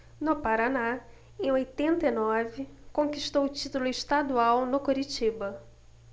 no paraná em oitenta e nove conquistou o título estadual no curitiba